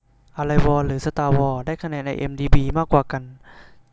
อะไรวอลหรือสตาร์วอร์ได้คะแนนไอเอ็มดีบีมากกว่ากัน